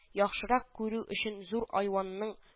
Яхшырак күрү өчен зур айванның